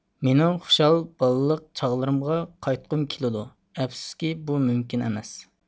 مېنىڭ خۇشال بالىلىق چاغلىرىمغا قايتقۇم كېلىدۇ ئەپسۇسكى بۇ مۇمكىن ئەمەس